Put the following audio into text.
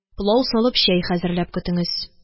Пылау салып, чәй хәзерләп көтеңез!